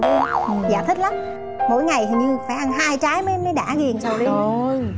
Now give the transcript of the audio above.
riêng dạ thích lắm mỗi ngày như phải ăn hai trái mới đã ghiền sầu riêng á